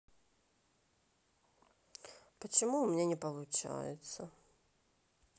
почему у меня не получается